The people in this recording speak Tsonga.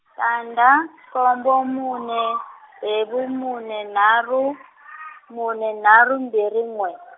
tandza, nkombo mune, ntsevu mune nharhu , mune nharhu mbirhi n'we.